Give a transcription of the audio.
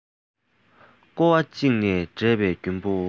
ཀོ བ གཅིག ནས དྲས པའི རྒྱུན བུ